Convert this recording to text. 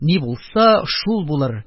Ни булса, шул булыр,